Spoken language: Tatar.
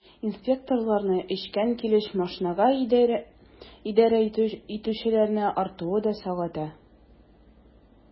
Инспекторларны эчкән килеш машинага идарә итүчеләрнең артуы да сагайта.